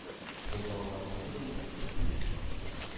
Бу балаларны, дип уйлыйсыздыр инде.